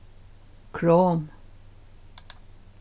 chrome